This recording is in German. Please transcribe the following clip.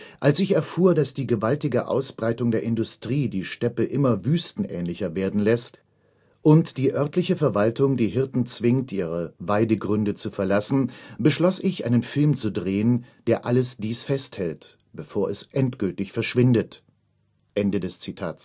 Als ich erfuhr, dass die gewaltige Ausbreitung der Industrie die Steppe immer wüstenähnlicher werden lässt und die örtliche Verwaltung die Hirten zwingt, ihre Weidegründe zu verlassen, beschloss ich, einen Film zu drehen, der alles dies festhält, bevor es endgültig verschwindet. “Viele